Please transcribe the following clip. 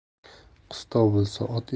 qistov bo'lsa ot